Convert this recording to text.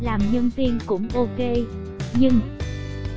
làm nhân viên cũng ok nhưng